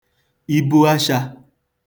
ibu ashā